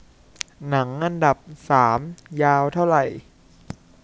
หนังอันดับสามยาวเท่าไหร่